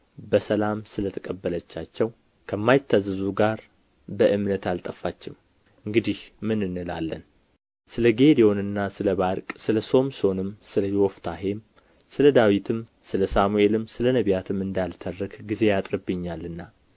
በሰላም ስለ ተቀበለቻቸው ከማይታዘዙ ጋር በእምነት አልጠፋችም እንግዲህ ምን እላለሁ ስለ ጌዴዎንና ስለ ባርቅ ስለ ሶምሶንም ስለ ዮፍታሔም ስለ ዳዊትና ስለ ሳሙኤልም ስለ ነቢያትም እንዳልተርክ ጊዜ ያጥርብኛልና